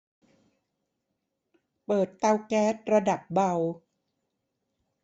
เปิดเตาแก๊สระดับเบา